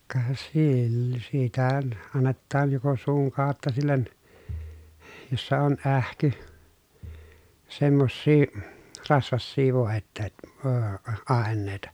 ka - sitä annetaan joko suun kautta sille jossa on ähky semmoisia rasvaisia -- aineita